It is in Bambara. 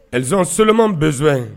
Aliz soman bɛ in